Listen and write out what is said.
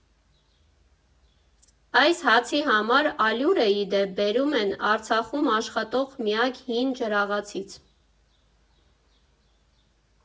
Այս հացի համար ալյուրը, ի դեպ, բերում են Արցախում աշխատող միակ հին ջրաղացից։